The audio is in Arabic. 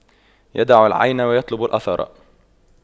يدع العين ويطلب الأثر